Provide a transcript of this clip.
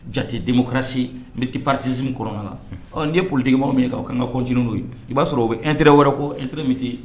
Jate denmuso kɛrasi m miniti patisi kɔrɔma la n'i ye politigimaw min ye' kan ka kɔntininw ye i b'a sɔrɔ o bɛ nt wɛrɛ ko ntre miniti